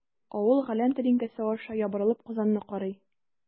Авыл галәм тәлинкәсе аша ябырылып Казанны карый.